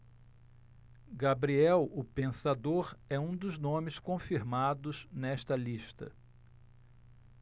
gabriel o pensador é um dos nomes confirmados nesta lista